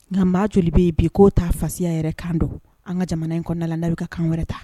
Nka n' joli bɛ yen bi k'o ta faya yɛrɛ kan don an ka jamana in kɔnɔna la n' ka kan wɛrɛ ta